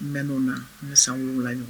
N bɛ na n bɛ san wolowula ɲɔgɔn